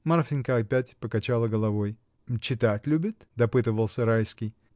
Марфинька опять покачала головой. — Читать любит? — допытывался Райский.